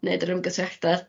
neud yr ymgysyllta'